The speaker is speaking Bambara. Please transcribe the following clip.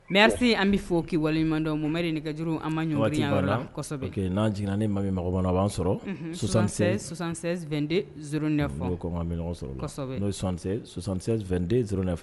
Mɛ se an bɛ fɔ kiba waleɲumandɔri kajuru an ma' jigin ni ma mɔgɔ b'an sɔrɔsan z bɛ ɲɔgɔn sɔrɔ n'2den z nefɛ